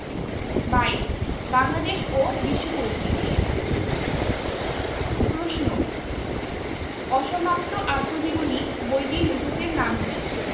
২২ বাংলাদেশ ও বিশ্ব পরিচিতি প্রশ্ন অসমাপ্ত আত্মজীবনী বইটির লেখকের নাম কী